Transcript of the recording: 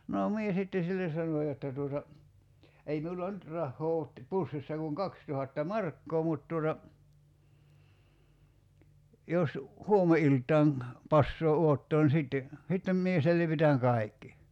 no minä sitten sille sanoin jotta tuota ei minulla nyt rahaa ole pussissa kuin kaksituhatta markkaa mutta tuota jos huomeniltaan passaa odottaa niin sitten sitten minä selvitän kaikki